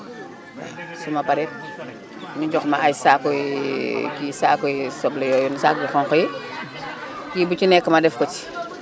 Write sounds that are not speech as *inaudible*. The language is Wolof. *crosstalk* su ma paree ñu jox ma ay saako *hesitation* kii saakoy soble yooyu mooy saag yu xonq yi kii bu ci nekk ma def ko ci